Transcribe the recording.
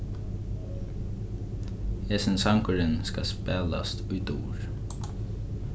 hesin sangurin skal spælast í dur